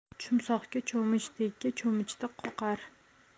chumsoxga cho'mich tegsa cho'michda qoqar